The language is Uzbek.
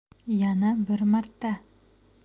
yana bir marta